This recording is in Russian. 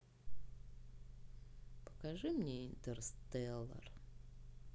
покажи мне интерстеллар